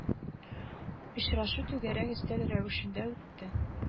Очрашу түгәрәк өстәл рәвешендә үтте